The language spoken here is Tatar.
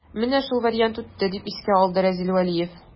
Менә шул вариант үтте, дип искә алды Разил Вәлиев.